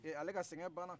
ee ale ka sɛgɛn banna